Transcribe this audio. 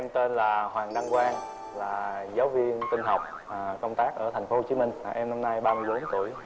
em tên là hoàng đăng quang là giáo viên tin học à công tác ở thành phố hồ chí minh em năm nay ba mươi bốn tuổi